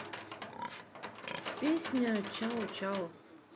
песня чао чао